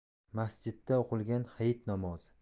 masjidda o'qilgan hayit namozi